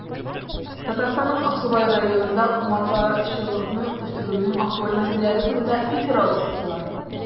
Татарстанның Аксубай районында умартачылыкны үстерүнең актуаль мәсьәләләре турында фикер алыштылар